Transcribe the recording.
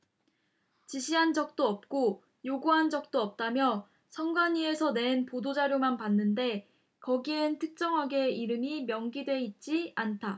지시한 적도 없고 요구한 적도 없다며 선관위에서 낸 보도자료만 봤는데 거기엔 특정하게 이름이 명기돼 있지 않다